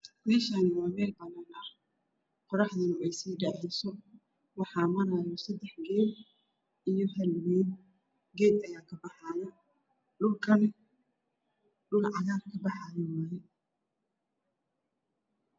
Meshaan waa meel banan ah qoraxdana ey sii dhaceezo waxaa mraayo sadax geel iyo hal wiil geed ayaa ka paxaayo dhulkaas dhul cagar kapaxaayo weeye